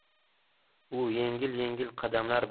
u yengil yengil qadamlar